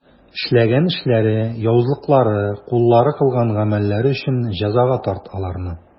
Эшләгән эшләре, явызлыклары, куллары кылган гамәлләре өчен җәзага тарт аларны.